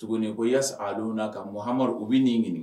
Tuguni ko yas auna kan muhamadu u bɛ nin ɲini